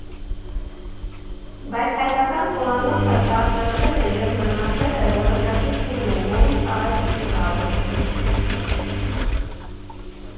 Բայց հայկական խոհանոցը կարծրացել և մնացել է որոշակի փուլում, որից առաջ չի շարժվում։